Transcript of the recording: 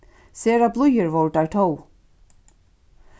sera blíðir vóru teir tó